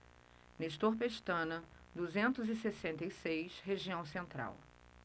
nestor pestana duzentos e sessenta e seis região central